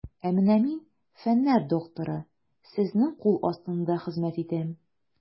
Ә менә мин, фәннәр докторы, сезнең кул астында хезмәт итәм.